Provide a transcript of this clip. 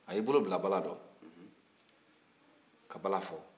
a y'a bolo bila bala la ka bala fɔ